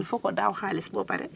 foko daw xalis bo pare